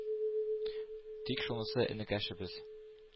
Тик шунысы, энекәшебез